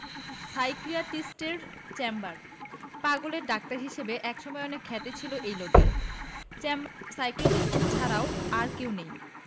সাইকিয়াট্রিস্টের chamber পাগলের doctor হিসেবে একসময় অনেক খ্যাতি ছিল এই লোকের চেম্ব সাইকিয়াট্রিস্ট ছাড়া আর কেউ নেই